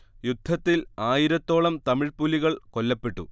യുദ്ധത്തിൽ ആയിരത്തോളം തമിഴ് പുലികൾ കൊല്ലപ്പെട്ടു